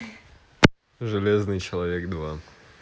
железный человек два